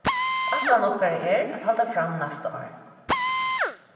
ætlan okkara er at halda fram næsta ár